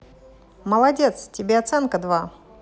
молодец тебе оценка два